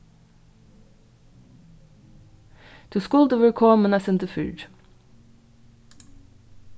tú skuldi verið komin eitt sindur fyrr